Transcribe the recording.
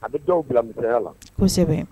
A bɛ dɔw bila musoya la kosɛbɛ